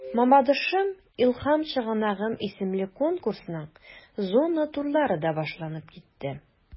“мамадышым–илһам чыганагым” исемле конкурсның зона турлары да башланып китте.